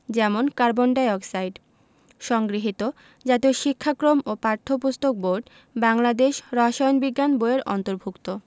যেমন carbon dioxide সংগৃহীত জাতীয় শিক্ষাক্রম ও পাঠ্যপুস্তক বোর্ড বাংলাদেশ রসায়ন বিজ্ঞান বই এর অন্তর্ভুক্ত